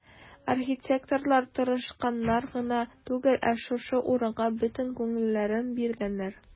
Архитекторлар тырышканнар гына түгел, ә шушы урынга бөтен күңелләрен биргәннәр.